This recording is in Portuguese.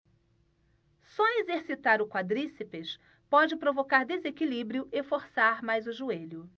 só exercitar o quadríceps pode provocar desequilíbrio e forçar mais o joelho